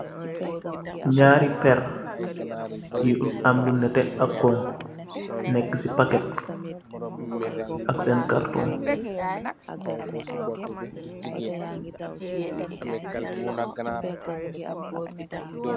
Nyaari perr, yu am lu nete ak khonkhu, nek si packet ak sen kartoon.